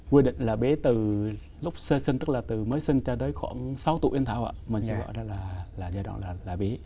quy định là bé từ lúc sơ sinh tức là từ mới sinh cho tới khoảng sáu tuổi anh thảo ạ mình sẽ gọi đó là là giai đoạn là là bé